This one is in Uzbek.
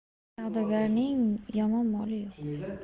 savdogarning yomon moli yo'q